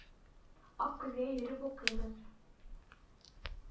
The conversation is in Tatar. Аккүзгә йөреп укыйбыз.